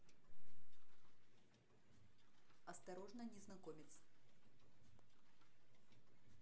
осторожно незнакомец